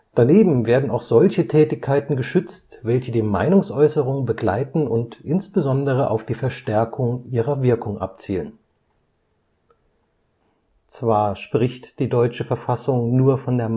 Daneben werden auch solche Tätigkeiten geschützt, welche die Meinungsäußerung begleiten und insbesondere auf die Verstärkung ihrer Wirkung abzielen. Zwar spricht die deutsche Verfassung nur von der